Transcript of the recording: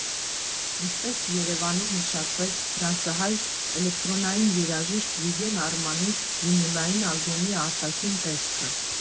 Ինչպես Երևանում մշակվեց ֆրանսահայ էլեկտրոնային երաժիշտ Վիգեն Արմանի վինիլային ալբոմի արտաքին տեսքը։